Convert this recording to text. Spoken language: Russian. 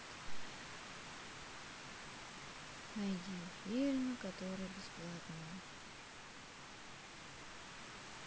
найди фильмы которые бесплатные